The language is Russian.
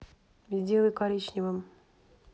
сделай коричневым